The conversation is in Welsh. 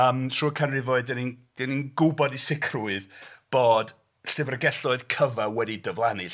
Yym trwy'r canrifoedd dan ni'n... dan ni'n gwybod i sicrwydd bod llyfrgelloedd cyfa wedi diflannu.